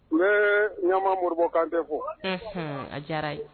Ee ɲama moribɔ kan tɛ fɔ a diyara yen